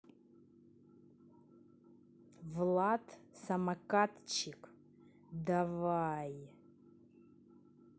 влад самокатчик давай